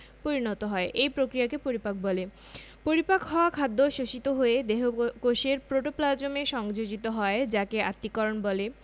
পরিণত হয় এই প্রক্রিয়াকে পরিপাক বলে পরিপাক হওয়া খাদ্য শোষিত হয়ে দেহকোষের প্রোটোপ্লাজমে সংযোজিত হয় যাকে আত্তীকরণ বলে